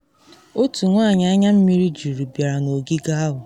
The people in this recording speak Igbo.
Otu nwanyị anya mmiri juru bịara n’ogige ahụ.